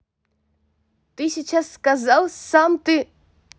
ты сейчас сказал сам ты